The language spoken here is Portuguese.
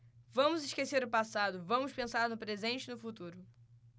vamos esquecer o passado vamos pensar no presente e no futuro